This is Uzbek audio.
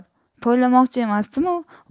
poylamoqchi emasdimu